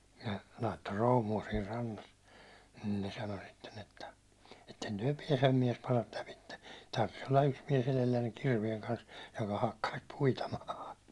ne laittoi proomua siinä rannassa niin ne sanoi sitten että ette te pääse miesparat lävitse tarvitsisi olla yksi mies edellänne kirveen kanssa joka hakkaisi puita maahan